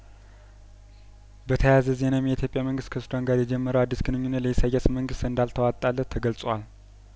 በተያያዘ ዜናም የኢትዮጵያ መንግስት ከሱዳን ጋር የጀመረው አዲስ ግንኙነት ለኢሳያስ መንግስት እንዳል ተዋጣለት ተገልጿል